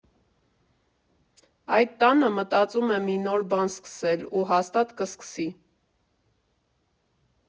» Այդ տանը մտածում է մի նոր բան սկսել ու հաստատ կսկսի։